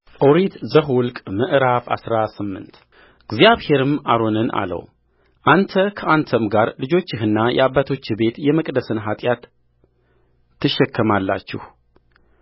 ኦሪት ዘኍልቍ ምዕራፍ አስራ ስምንት እግዚአብሔርም አሮንን አለው አንተ ከአንተም ጋር ልጆችህና የአባቶችህ ቤት የመቅደስን ኃጢአት ትሸከማላችሁ